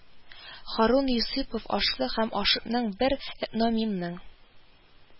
Һарун Йосыпов Ашлы һәм Ашытның бер этнонимның